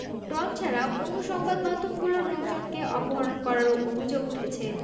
ডন ছাড়াও অন্য সংবাদ মাধ্যমগুলোর লোকজনকে অপহরণ করারও অভিযোগ উঠেছে